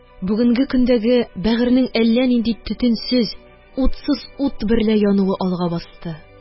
Бүгенге көндәге бәгырьнең әллә нинди төтенсез, утсыз ут берлә януы алга басты